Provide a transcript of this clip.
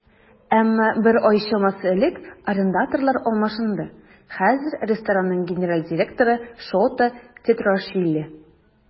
Әмма бер ай чамасы элек арендаторлар алмашынды, хәзер ресторанның генераль директоры Шота Тетруашвили.